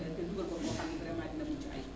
nga dugal ko foo xam ni vraiment dina mucc ayib